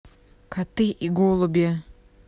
коты и голуби